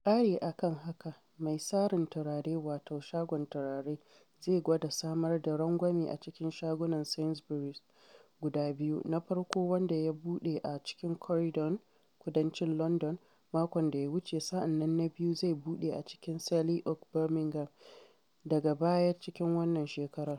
Ƙari a kan haka, mai sarin turare wato Shagon Turare zai gwada samar da rangwame a cikin shagunan Sainsbury's guda biyu, na farkonsu wanda ya buɗe a cikin Croydon, kudancin Landan, makon da ya wuce sa’an nan na biyun zai buɗe a cikin Selly Oak, Birmingham, daga baya cikin wannan shekarar.